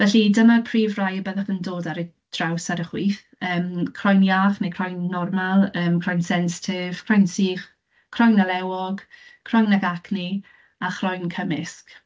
Felly dyma'r prif rai y byddwch yn dod ar eu traws ar y chwith. Yym, croen iach neu croen normal, yym croen sensitif, croen sych, croen olewog, croen ag acne a chroen cymysg.